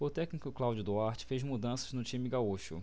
o técnico cláudio duarte fez mudanças no time gaúcho